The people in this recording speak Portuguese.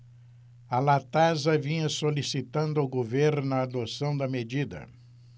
a latasa vinha solicitando ao governo a adoção da medida